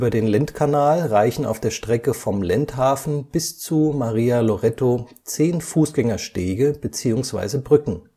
den Lendkanal reichen auf der Strecke vom Lendhafen bis zu Maria Loretto zehn Fußgängerstege beziehungsweise Brücken